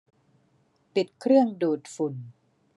ปิดเครื่องดูดฝุ่น